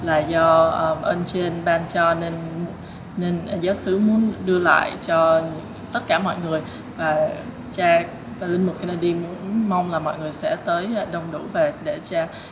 là do ơn trên ban cho nên nên giáo xứ muốn đưa lại cho tất cả mọi người và cha linh mục ken ne đi muốn mong là mọi người sẽ tới đông đủ về để cha